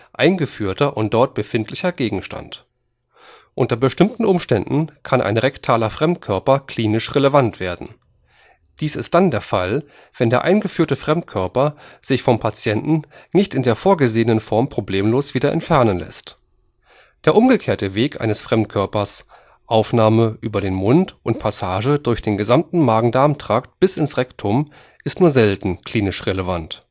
eingeführter und dort befindlicher Gegenstand. Unter bestimmten Umständen kann ein rektaler Fremdkörper klinisch relevant werden. Dies ist dann der Fall, wenn der eingeführte Fremdkörper sich vom Patienten nicht in der vorgesehenen Form problemlos wieder entfernen lässt. Der umgekehrte Weg eines Fremdkörpers – Aufnahme über den Mund und Passage durch den gesamten Magen-Darm-Trakt bis ins Rektum – ist nur selten klinisch relevant